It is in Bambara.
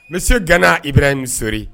Monsieur Gana Ibrahim Sori